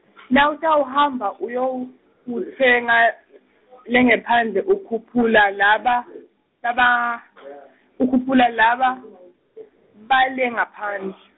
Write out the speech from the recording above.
nawutawuhamba uyowutsenga, lengaphandle ukhuphula laba , laba , ukhuphula, laba, bale ngaphandle.